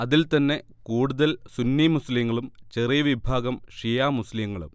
അതിൽ തന്നെ കൂടുതൽ സുന്നി മുസ്ലിങ്ങളും ചെറിയ വിഭാഗം ഷിയാ മുസ്ലിങ്ങളും